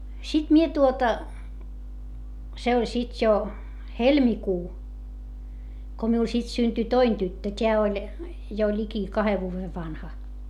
sitten minä tuota se oli sitten jo helmikuu kun minulle sitten syntyi toinen tyttö tämä oli jo liki kahden vuoden vanha